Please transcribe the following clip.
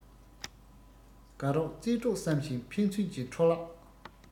དགའ རོགས རྩེད གྲོགས བསམ ཞིང ཕན ཚུན གྱི འཕྲོ བརླག